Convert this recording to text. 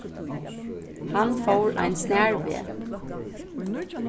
hann fór ein snarveg